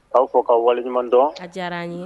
K'aw fɔ k'aw waleɲuman dɔn a diyara an ye